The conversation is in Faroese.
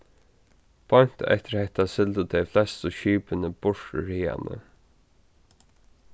beint eftir hetta sigldu tey flestu skipini burtur haðani